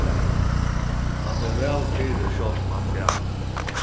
hann er væl fyri sjálvt um hann er gamal